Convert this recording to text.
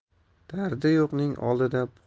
dardi yo'qning oldida